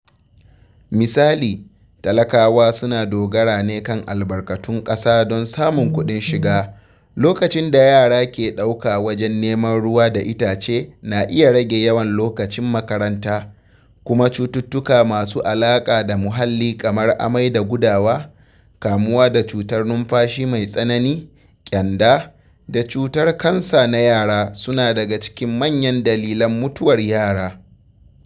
Misali, talakawa suna dogara ne kan albarkatun ƙasa don samun kuɗin shiga; lokacin da yara ke ɗauka wajen neman ruwa da itace na iya rage yawan lokacin makaranta; kuma cututtuka masu alaƙa da muhalli kamar amai da gudawa, kamuwa da cutar numfashi mai tsanani, ƙyanda, da cutar kansa na yara suna daga cikin manyan dalilan mutuwar yara.